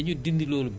mën na am mu yàqu foofu